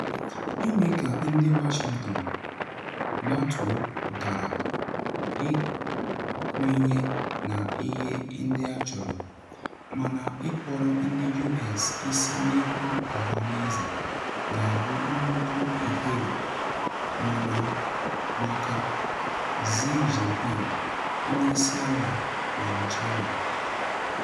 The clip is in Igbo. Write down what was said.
Ịme ka ndị Washington gbatuo pụtara ịkwenye na ihe ndị achọrọ, mana ịkpọọrọ ndị US isi n’ihu ọhaneze ga-abụ nnukwu ihere maka Xi Jinping, onye isi ala nke China.